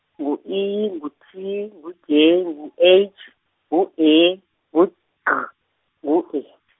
ngu I, ngu T, ngu J, ngu H, ngu E, ngu G, ngu E.